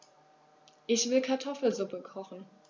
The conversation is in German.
Ich will Kartoffelsuppe kochen.